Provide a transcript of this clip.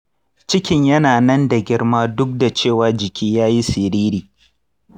cikin yana nan da girma duk da cewa jiki ya yi siriri.